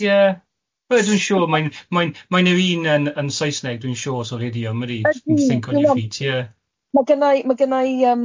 Ie, wel dwi'n siŵr mae'n mae'n mae'n yr un yn yn Saesneg dwi'n siŵr so ydi idiom... Ydi. ...think on your feet ie... Ma gynna i ma gynna i yym.